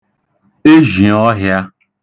ezhìọhị̄ā